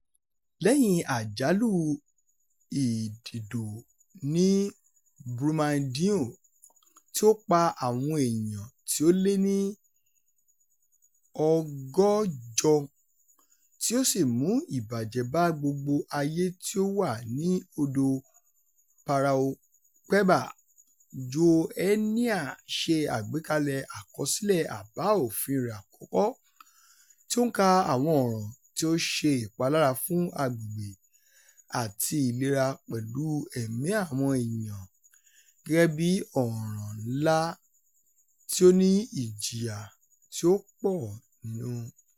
Lẹ́yìn àjálù ìdídò ní Brumadinho, tí ó pa àwọn èèyàn tí ó lé ní 160, tí ó sì mú ìbàjẹ́ bá gbogbo ayé tí ó wà ní odò Paraopeba, Joenia ṣe àgbékalẹ̀ àkọsílẹ̀ àbá òfin rẹ̀ àkọ́kọ́, tí ó ń ka àwọn ọ̀ràn tí ó ń ṣe ìpalára fún agbègbè àti ìlera pẹ̀lú ẹ̀mí àwọn èèyàn gẹ́gẹ́ bí "ọ̀ràn ńlá" tí ó ní ìjìyà tí ó pọ̀ nínú.